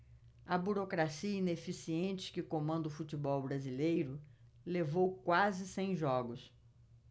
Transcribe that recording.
a burocracia ineficiente que comanda o futebol brasileiro levou quase cem jogos